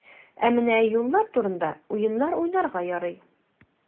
Ә менә юллар турында уеннар уйнарга ярый.